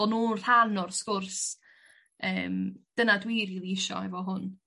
bo' nhw rhan o'r sgwrs yym dyna dwi rili isio efo hwn.